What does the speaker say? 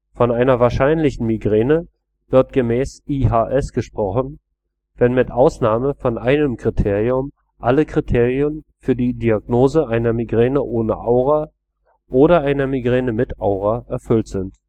Von einer wahrscheinlichen Migräne wird gemäß IHS gesprochen, wenn mit Ausnahme von einem Kriterium alle Kriterien für die Diagnose einer Migräne ohne Aura oder einer Migräne mit Aura erfüllt sind